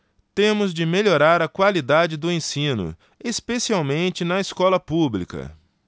temos de melhorar a qualidade do ensino especialmente na escola pública